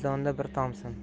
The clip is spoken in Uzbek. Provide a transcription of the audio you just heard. mizonda bir tomsin